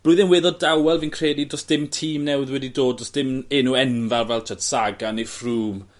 blwyddyn weddo' dawel fi'n credu do's dim tîm newydd wedi dod do's dim enw enfawr fel t'od Sagan neu Froome